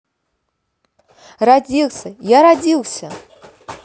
родился я родился